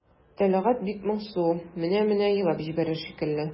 Тәлгать бик моңсу, менә-менә елап җибәрер шикелле.